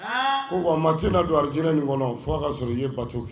O ma tɛ la donj nin kɔnɔ fo ka sɔrɔ i ye bato kɛ